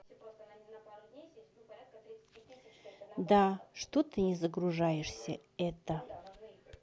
да что ты не загружаешься это